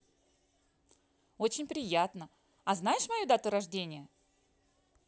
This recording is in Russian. очень приятно а знаешь мою дату рождения